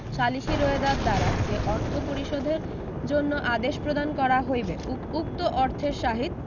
সালিসী রোয়েদাদ দ্বারা যে অর্থ পরিশোধের জন্য আদেশ প্রদান করা হইবে উ উক্ত অর্থের সাহিত